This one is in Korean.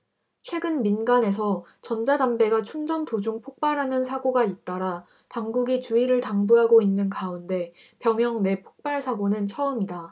최근 민간에서 전자담배가 충전 도중 폭발하는 사고가 잇따라 당국이 주의를 당부하고 있는 가운데 병영 내 폭발 사고는 처음이다